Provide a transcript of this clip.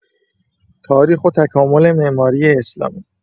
تاریخ و تکامل معماری اسلامی